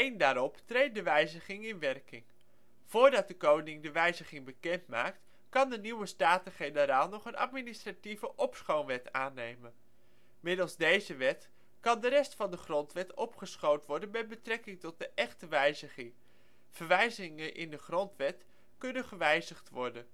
daarop treedt de wijziging in werking. Voordat de Koning de wijziging bekendmaakt, kan de nieuwe Staten-Generaal nog een administratieve " opschoonwet " aannemen. Middels deze wet kan de rest van de Grondwet opgeschoond worden met betrekking tot de echte wijziging: verwijzingen in de Grondwet kunnen gewijzigd worden